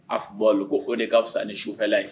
A' ko h ka fisa ni sufɛla ye